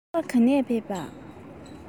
ལྷོ ཁ ག ནས ཕེབས པ